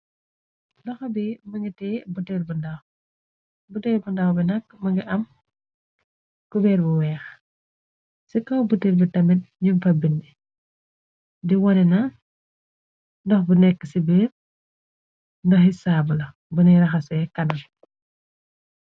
Loxou bi mënge teye buteel bu ndaw bi nakk mënga am kubeer bu weex ci kaw butel bi tamit nug fa bindi dewane na ndox bu nekk ci beer ndoxi saabu la bonu raxase kanam.